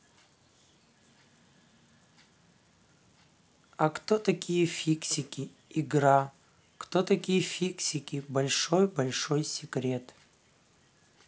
а кто такие фиксики игра кто такие фиксики большой большой секрет